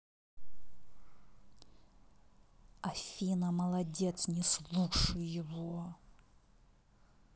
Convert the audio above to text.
афина молодец не слушай его